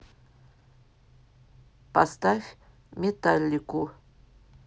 поставь металлику